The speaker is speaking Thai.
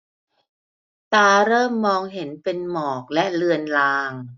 ตาเริ่มมองเห็นเป็นหมอกและเลือนลาง